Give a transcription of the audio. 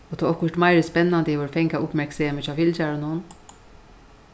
og tá okkurt meiri spennandi hevur fangað uppmerksemið hjá fylgjarunum